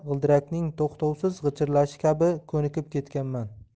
g'ildirakning to'xtovsiz g'irchillashi kabi ko'nikib ketganman